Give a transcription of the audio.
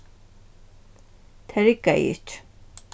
tað riggaði ikki